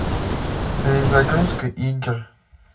перезагрузки игр